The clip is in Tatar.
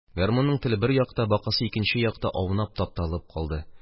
Гармунның теле – бер якта, бакасы икенче якта аунап, тапталып калды.